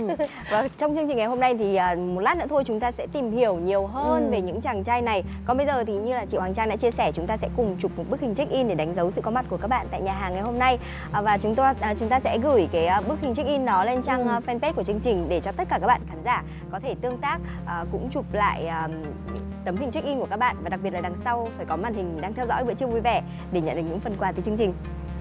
vâng trong chương trình ngày hôm nay thì ờ một lát nữa thôi chúng ta sẽ tìm hiểu nhiều hơn về những chàng trai này còn bây giờ thì như là chị hoàng trang đã chia sẻ chúng ta sẽ cùng chụp một bức hình chếch in để đánh dấu sự có mặt của các bạn tại nhà hàng ngày hôm nay và chúng tôi đã chúng ta sẽ gửi cái bức hình chếch in đó lên trang phan pết của chương trình để cho tất cả các bạn khán giả có thể tương tác ờ cũng chụp lại những tấm hình chếch in của các bạn và đặc biệt là đằng sau phải có màn hình đang theo dõi buổi trưa vui vẻ để nhận được những phần quà từ chương trình